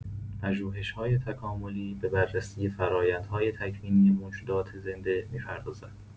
پژوهش‌‌های تکاملی به بررسی فرآیندهای تکوینی موجودات زنده می‌پردازد.